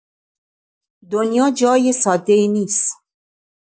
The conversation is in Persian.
دنیا جای ساده‌ای نیست.